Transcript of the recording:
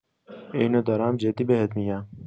اینو دارم جدی بهت می‌گم.